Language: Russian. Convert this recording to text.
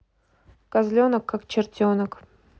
козленок как чертенок